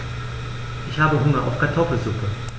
Ich habe Hunger auf Kartoffelsuppe.